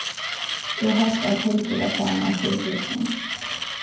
eg helt at helgi var farin av sjúkrahúsinum